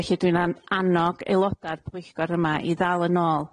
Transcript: Felly dwi'n an- annog aeloda'r pwyllgor yma i ddal yn ôl.